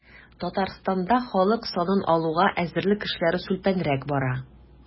Татарстанда халык санын алуга әзерлек эшләре сүлпәнрәк бара.